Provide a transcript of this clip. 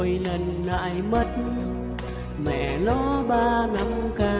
mỗi lần lại mất mẹ nó k